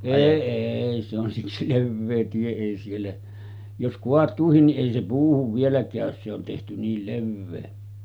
ei ei se on siksi leveä tie ei siellä jos kaatuukin niin ei se puuhun vielä käy se on tehty niin leveä